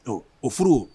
Ɔ o furu